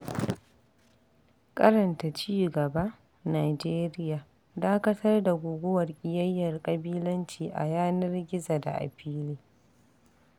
Karanta cigaba: Nijeriya: Dakatar da guguwar ƙiyayyar ƙabilanci - a yanar gizo da a fili